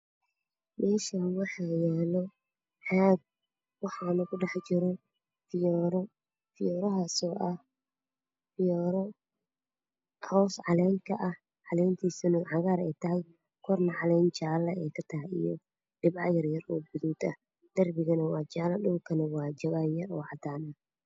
Meshani waxa yaalo caag waxana ku dhex jiro fiyoore fiyoore hoos calen ka ah calentisuna cagar ay tahay korna calen jaalo ka tahy iyo dhibco yar yar oo gadud ah darbiguna waa jaalo dhulkuna waa jawn yar o cadan ah